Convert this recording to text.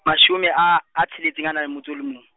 mashome a, a tsheletseng a na leng motso o lemong.